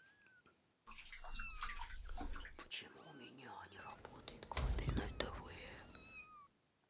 почему у меня не работает кабельное тв